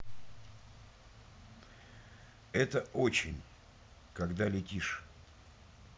это очень когда летишь